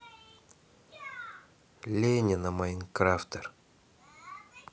леня майнкрафтер